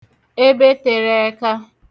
ebe tere ẹka